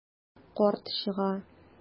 Карт чыга.